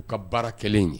U ka baara kɛlen ye